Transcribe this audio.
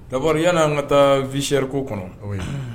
Kabri yala an ka taa vsiriko kɔnɔ